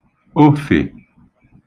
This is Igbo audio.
ofè